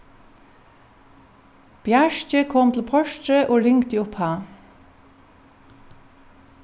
bjarki kom til portrið og ringdi uppá